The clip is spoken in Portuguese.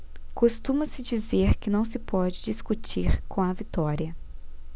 costuma-se dizer que não se pode discutir com a vitória